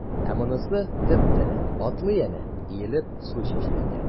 Ә монысы— теп-тере, атлый әнә, иелеп су чәчрәтә.